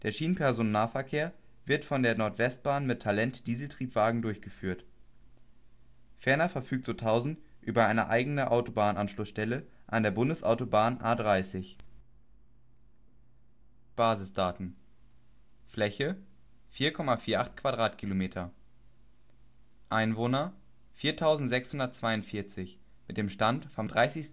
Schienenpersonennahverkehr wird von der NordWestBahn mit Talent-Dieseltriebwagen durchgeführt. Ferner verfügt Sutthausen über eine eigene Autobahnanschlussstelle an der Bundesautobahn A30/E30